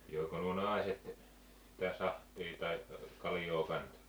joiko nuo naiset sitä sahtia tai kaljaa kanssa